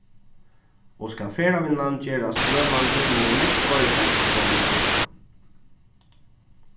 og skal ferðavinnan gerast lønandi mugu nógv fleiri fólk koma í oynna